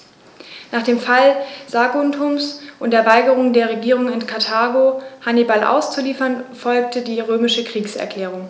Nach dem Fall Saguntums und der Weigerung der Regierung in Karthago, Hannibal auszuliefern, folgte die römische Kriegserklärung.